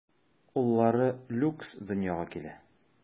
Уллары Люкс дөньяга килә.